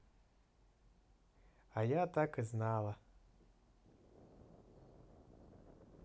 а я так и знала